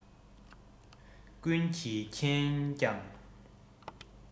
ཀུན གྱིས མཁྱེན ཀྱང